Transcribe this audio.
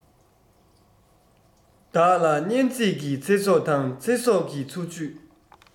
བདག ལ སྙན ངག གི ཚེ སྲོག དང ཚེ སྲོག གི འཚོ བཅུད